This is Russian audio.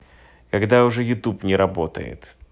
когда уже youtube не работает